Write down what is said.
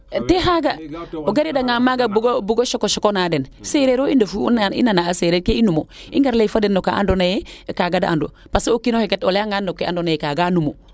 te xaaga o garida nga maaga bogo chocochoco na den sereer o i ndefu i nana a seereer etn i numu i ngar ley fo den no ka ando naye kkaga de andu parce que o kiinoxe kat o leya ngaan no kaa ando anye kaaga a num